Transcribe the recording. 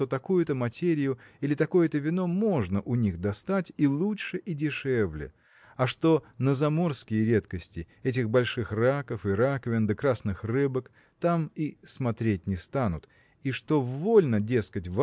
что такую-то материю или такое-то вино можно у них достать и лучше и дешевле а что на заморские редкости этих больших раков и раковин да красных рыбок там и смотреть не станут и что вольно дескать